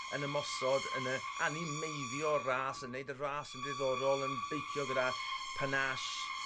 yn ymosod yn yy animeiddio'r ras yn neud y ras yn ddiddorol yn beicio gyda panache